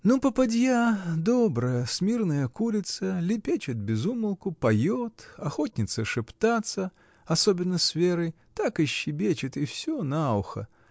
— Ну, попадья — добрая, смирная курица: лепечет без умолку, поет, охотница шептаться, особенно с Верой: так и щебечет, и всё на ухо.